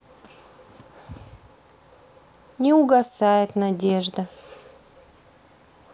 не угасает надежда